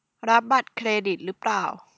รับบัตรเครดิตหรือเปล่า